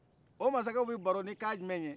o masakɛw bɛ baro ni kan jumɛn ye